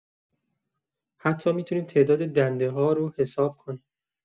حتی می‌تونیم تعداد دندانه‌ها رو حساب کنیم.